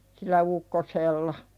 sillä ukkosella